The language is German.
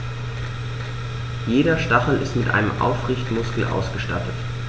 Jeder Stachel ist mit einem Aufrichtemuskel ausgestattet.